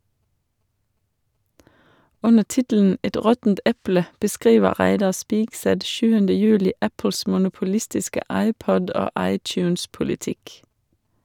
Under tittelen «Et råttent eple» beskriver Reidar Spigseth 7. juli Apples monopolistiske iPod- og iTunes-politikk.